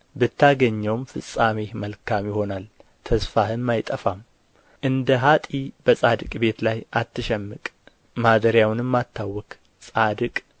ብታገኘውም ፍጻሜህ መልካም ይሆናል ተስፋህም አይጠፋም እንደ ኀጥእ በጻድቅ ቤት ላይ አትሸምቅ ማደሪያውንም አታውክ ጻድቅ